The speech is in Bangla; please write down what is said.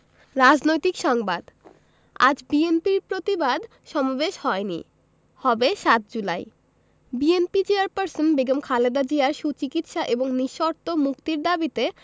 রাজনৈতিক সংবাদ আজ বিএনপির প্রতিবাদ সমাবেশ হয়নি হবে ৭ July BNP chairperson Begum Khaleda জিয়ার সুচিকিৎসা এবং নিঃশর্ত মুক্তির দাবিতে